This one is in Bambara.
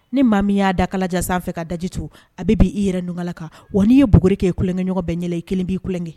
Ni maa min y'a da kala jan sanfɛ fɛ ka dajitu a bɛ b' i yɛrɛugu kan wa n'i ye bugu k kɛ ye ku kolonkɛɲɔgɔn bɛn ɲɛ i kelen b'i kolonkɛ